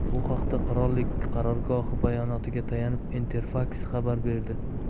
bu haqda qirollik qarorgohi bayonotiga tayanib interfaks xabar berdi